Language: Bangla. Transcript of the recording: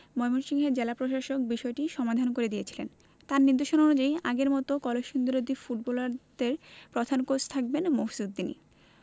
ময়মনসিংহের জেলা প্রশাসক বিষয়টির সমাধান করে দিয়েছিলেন তাঁর নির্দেশনা অনুযায়ী আগের মতো কলসিন্দুরের দুই বিদ্যালয়ের ফুটবলারদের প্রধান কোচ থাকবেন মফিজ উদ্দিনই